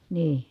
niin